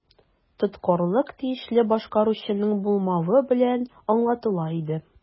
Тоткарлык тиешле башкаручының булмавы белән аңлатыла иде.